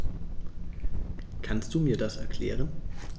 Kannst du mir das erklären?